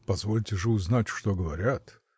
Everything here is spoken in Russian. — Позвольте же узнать, что говорят?